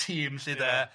Ia...